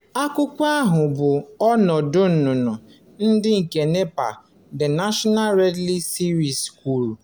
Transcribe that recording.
Akwụkwọ ahu bụ Ọnọdụ Nnụnụ ndị nke Nepal: The National Red List Series kwuru: